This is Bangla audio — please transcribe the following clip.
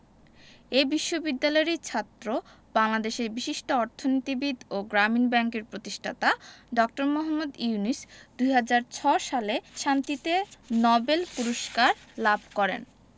এ বিশ্ববিদ্যালয়েরই ছাত্র বাংলাদেশের বিশিষ্ট অর্থনীতিবিদ ও গ্রামীণ ব্যাংকের প্রতিষ্টাতা ড. মোহাম্মদ ইউনুস ২০০৬ সালে শান্তিতে নবেল পূরস্কার লাভ করেন